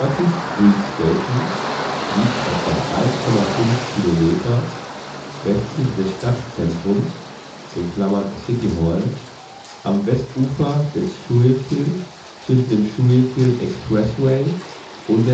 Street Station liegt etwa 1,5 Kilometer westlich des Stadtzentrums (City Hall) am Westufer des Schuylkill zwischen dem Schuylkill Expressway und